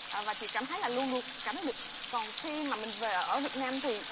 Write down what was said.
và chị cảm thấy là luôn luôn cảm thấy được còn khi mà mình về ở việt nam thì